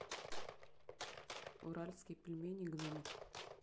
уральские пельмени гномик